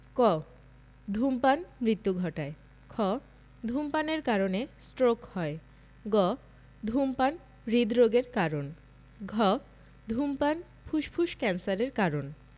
ক ধূমপান মৃত্যু ঘটায় খ ধূমপানের কারণে ষ্ট্রোক হয় গ ধূমপান হৃদরোগের কারণ ঘ ধূমপান ফুসফুস ক্যান্সারের কারণ